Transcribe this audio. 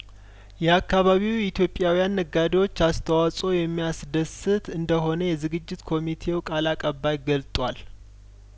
የአካባቢው ኢትዮጵያውያን ነጋዴዎች አስተዋጾ የሚያስደስት እንደሆነ የዝግጅት ኮሚቴው ቃል አቀባይገልጧል